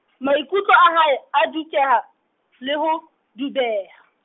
maikutlo a hae, a dukeha, le ho, dubeha.